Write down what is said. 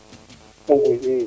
o Ndang i